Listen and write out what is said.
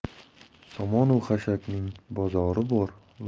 somon u xashakning bozori bor